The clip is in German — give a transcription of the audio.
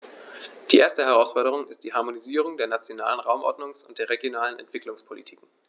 Die erste Herausforderung ist die Harmonisierung der nationalen Raumordnungs- und der regionalen Entwicklungspolitiken.